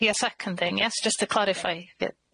You're seconding, yes, just to clarify.